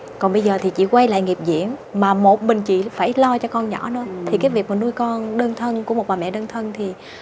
còn bây giờ thì chị quay lại nghiệp diễn mà một mình chị phải lo cho con nhỏ thì cái việc nuôi con đơn thân của một bà mẹ đơn thân thì